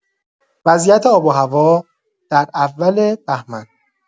وضعیت آب و هوا در اول بهمن